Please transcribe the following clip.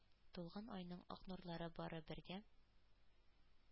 Тулган айның, ак нурлары бары бергә